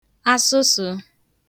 asụsụ̄